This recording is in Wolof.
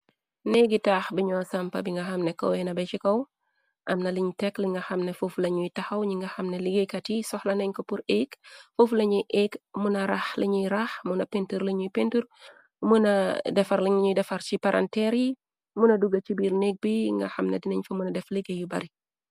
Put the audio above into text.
Neegi taax bi ñoo sampa bi nga xam ne koweena ba ci kaw amna liñ tekk li nga xam ne fofu lañuy taxaw ñi nga xam ne liggéeykat yi soxla nañ ko pur ek foufu lañuy ék muna raax lañuy raax muna pintur lañuy pintur muna defar lañuy defar ci paranteer yi muna duga ci biir nekk bi nga xamna dinañ fa mëna def liggée yu bare.